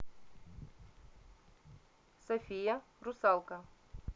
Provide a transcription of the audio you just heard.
софия русалка